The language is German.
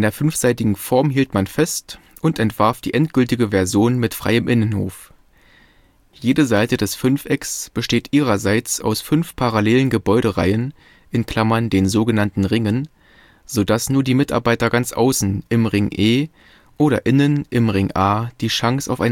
fünfseitigen Form hielt man fest und entwarf die endgültige Version mit freiem Innenhof. Jede Seite des Fünfecks besteht ihrerseits aus fünf parallelen Gebäudereihen (den sogenannten „ Ringen “), so dass nur die Mitarbeiter ganz außen im Ring E oder innen im Ring A die Chance auf